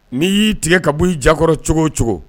N'i y'i tigɛ ka b'i jakɔrɔ cogo o cogo